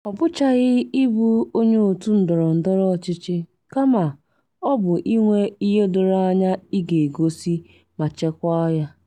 Ọ bụchaghị ịbụ onye otu ndọrọndọrọ ọchịchị, kama ọ bụ inwe ihe doro anya ị ga-egosi, ma chekwaa ya.